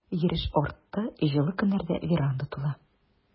Йөреш артты, җылы көннәрдә веранда тулы.